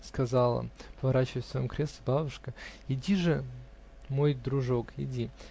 -- сказала, поворачиваясь в своем кресле, бабушка, -- иди же, мой дружок, иди.